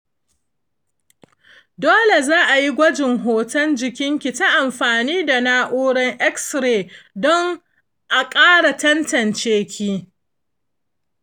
dole za'ayi gwajin hoton jikinki ta amfani da na’urar x-ray don a kara tantance ki.